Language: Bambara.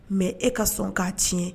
Mɛ e ka sɔn k'a tiɲɛ